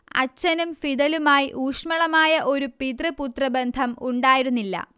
അച്ഛനും ഫിദലുമായി ഊഷ്മളമായ ഒരു പിതൃ പുത്രബന്ധം ഉണ്ടായിരുന്നില്ല